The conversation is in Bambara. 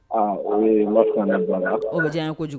Aa an waati o masajan kojugu